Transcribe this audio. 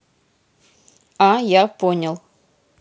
а я понял